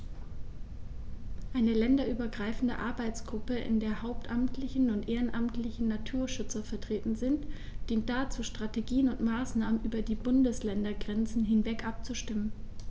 Eine länderübergreifende Arbeitsgruppe, in der hauptamtliche und ehrenamtliche Naturschützer vertreten sind, dient dazu, Strategien und Maßnahmen über die Bundesländergrenzen hinweg abzustimmen.